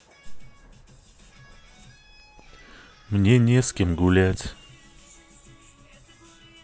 мне не с кем гулять